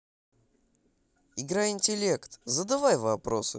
игра интеллект задавай вопросы